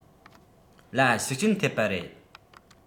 ལ ཤུགས རྐྱེན ཐེབས པ རེད